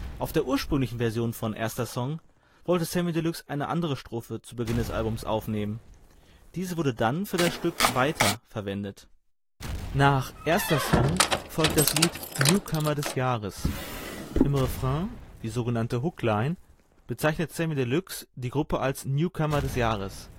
Auf der ursprünglichen Version von Erster Song wollte Samy Deluxe eine andere Strophe zu Beginn des Albums aufnehmen. Diese wurde dann für das Stück Weiter verwendet. Nach Erster Song, folgt das Lied Newcomer des Jahres. Im Refrain, die sogenannte Hookline, bezeichnet Samy Deluxe die Gruppe als „ Newcomer des Jahres